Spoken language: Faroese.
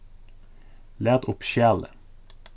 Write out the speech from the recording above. lat upp skjalið